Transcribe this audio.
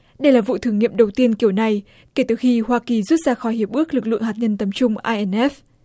đây là vụ thử nghiệm đầu tiên kiểu này kể từ khi hoa kỳ rút ra khỏi hiệp ước lực lượng hạt nhân tầm trung ai en ép